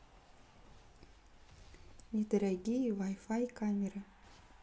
недорогие вай фай камеры